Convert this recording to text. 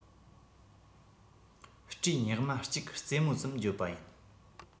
སྐྲའི ཉག མ གཅིག གི རྩེ མོ ཙམ བརྗོད པ ཡིན